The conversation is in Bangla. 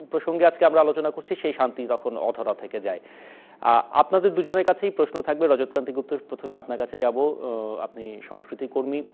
প্রসঙ্গে আমরা আলোচনা করছি সেই শান্তি তখন অধরা থেকে যায় আপনাদের দুজনের কাছে প্রশ্ন থাকবে রজত কান্তি গুপ্ত প্রথমে আপনার কাছে যাবো আপনি সাংস্কৃতিক কর্মী